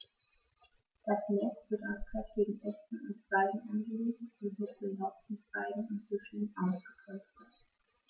Das Nest wird aus kräftigen Ästen und Zweigen angelegt und mit belaubten Zweigen und Büscheln ausgepolstert.